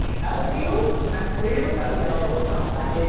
sở khiếu năng khiếu sở trường là gì